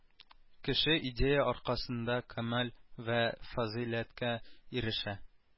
Кеше идея аркасында кәмаль вә фазыйләткә ирешә